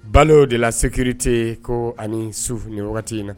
Balo de late ko ani su ni wagati in na